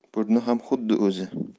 burni ham xuddi o'zi